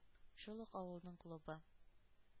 Шул ук авылның клубы.